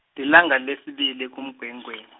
lilanga lesibili kuMgwengweni.